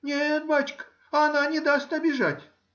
— Нет, бачка, она не даст обижать.